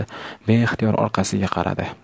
beixtiyor orqasiga qaradi